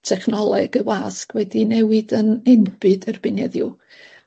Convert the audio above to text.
technoleg y wasg wedi newid yn enbyd erbyn heddiw.